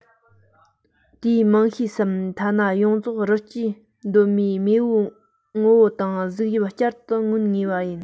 དེའི མང ཤས སམ ཐ ན ཡོངས རྫོགས རི སྐྱེས གདོད མའི མེས པོའི ངོ བོ དང གཟུགས དབྱིབས བསྐྱར དུ མངོན ངེས པ ཡིན